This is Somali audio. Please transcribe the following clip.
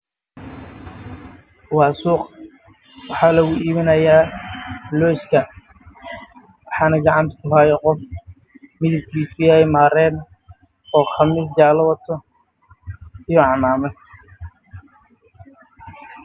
Waa suuq lagu ii binaayo looska